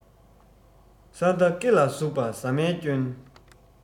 ས མདའ སྐེ ལ ཟུག པ ཟ མའི སྐྱོན